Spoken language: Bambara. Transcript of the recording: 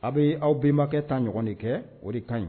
Aw bɛ aw bɛnenbakɛ ta ɲɔgɔn de kɛ o de kan ɲi